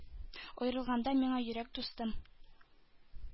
Аерылганда миңа йөрәк дустым